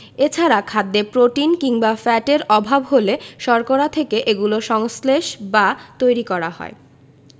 এছাড়া খাদ্যে প্রোটিন কিংবা ফ্যাটের অভাব হলে শর্করা থেকে এগুলো সংশ্লেষ বা তৈরী করা হয়